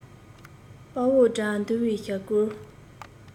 དཔའ བོ དགྲ འདུལ བའི ཞབས བསྐུལ